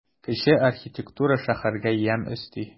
Кече архитектура шәһәргә ямь өсти.